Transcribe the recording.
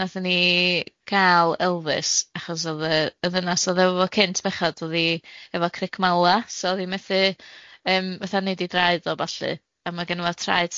Nathon ni gal Elvis achos odd yy y ddynas o'dd efo fo cynt bechod o'dd 'i ef cric 'mala, so oddi methu yym fatha neud i draed o aballu, a ma' genna fo traed